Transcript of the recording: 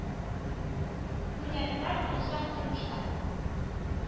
Күргәне бар юкса бу тормышта